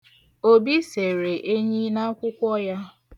Obi sere enyi n'akwụkwọ ya.